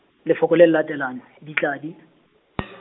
lefoko le le latelang, ditladi .